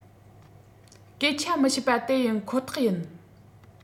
སྐད ཆ མི བཤད པ དེ ཡིན ཁོ ཐག ཡིན